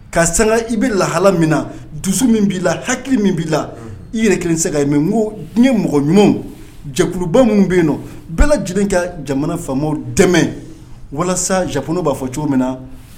Ka saga i bɛ lahala min na dusu min b'i la hakili min b'i la i yɛrɛ kelen se ka ɲi mɛ n ko diɲɛ mɔgɔ ɲuman jakuluba minnu bɛ yen nɔ bɛɛ lajɛlen ka jamana faamu dɛmɛ walasaf b'a fɔ cogo min na